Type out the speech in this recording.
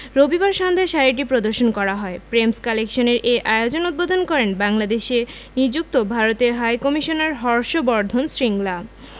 রবিবার সন্ধ্যায় শাড়িটি প্রদর্শন করা হয় প্রেমস কালেকশনের এ আয়োজন উদ্বোধন করেন বাংলাদেশে নিযুক্ত ভারতের হাইকমিশনার হর্ষ বর্ধন শ্রিংলা